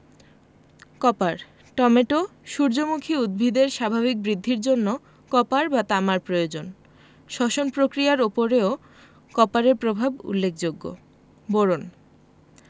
copper tomato সূর্যমুখী উদ্ভিদের স্বাভাবিক বৃদ্ধির জন্য কপার বা তামার প্রয়োজন শ্বসন প্রক্রিয়ার উপরও কপারের প্রভাব উল্লেখযোগ্য বোরন